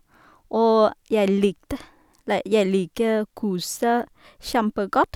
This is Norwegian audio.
Og jeg likte nei jeg liker kurset kjempegodt.